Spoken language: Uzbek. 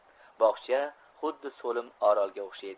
bog'cha xuddi so'lim orolga o'xshaydi